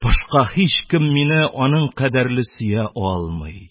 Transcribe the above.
Башка һичкем мине аның кадәрле сөя алмый...